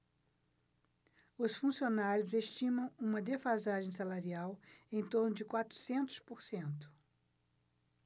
os funcionários estimam uma defasagem salarial em torno de quatrocentos por cento